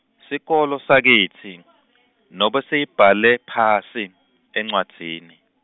sikolo sakitsi , nobe siyibhale phasi, encwadzini.